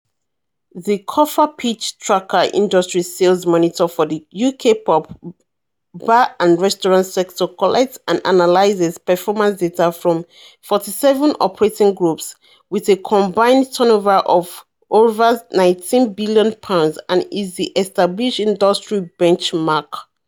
The Coffer Peach Tracker industry sales monitor for the UK pub, bar and restaurant sector collects and analyses performance data from 47 operating groups, with a combined turnover of over £9 billion, and is the established industry benchmark.